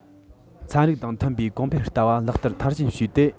ཚན རིག དང མཐུན པའི གོང འཕེལ ལྟ བ ལག བསྟར མཐར ཕྱིན བྱས ཏེ